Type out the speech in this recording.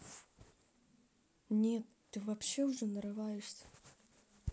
нет ты вообще уже нарываешься